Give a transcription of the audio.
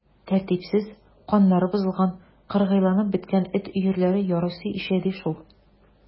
Тәртипсез, каннары бозылган, кыргыйланып беткән эт өерләре ярыйсы ишәйде шул.